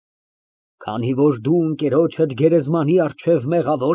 Դու հաշտվում ես կյանքի բոլոր հանգամանքների հետ։ ԲԱԳՐԱՏ ֊ Եթե, իհարկե, հանգամանքներն արժանի չեն դիմադրության։